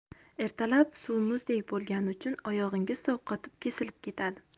ertalab suv muzdek bo'lgani uchun oyog'ingiz sovqotib kesilib ketadi